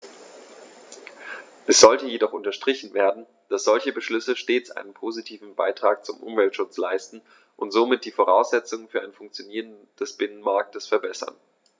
Es sollte jedoch unterstrichen werden, dass solche Beschlüsse stets einen positiven Beitrag zum Umweltschutz leisten und somit die Voraussetzungen für ein Funktionieren des Binnenmarktes verbessern.